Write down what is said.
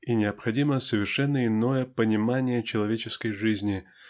И необходимо совершенно иное понимание человеческой жизни